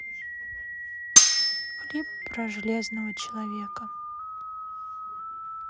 клип про железного человека